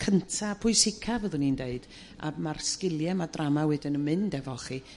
cyntaf pwysica' fyddwn i'n d'eud a ma'r sgilie ma' drama wedyn yn mynd efo chi